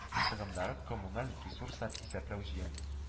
Чыгымнары коммуналь ресурслар исәпләү җыен